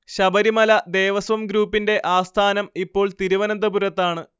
ശബരിമല ദേവസ്വം ഗ്രൂപ്പിന്റെ ആസ്ഥാനം ഇപ്പോൾ തിരുവനന്തപുരത്താണ്